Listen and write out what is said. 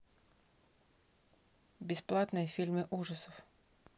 бесплатные фильмы ужасов